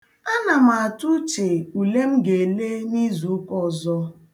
Ana m atụ uche ule m ga-ele n'izuụka ọzọ.